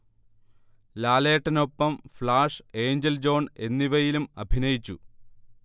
ലാലേട്ടനോടൊപ്പം Flash, Angel John എന്നിവയിലും അഭിനയിച്ചു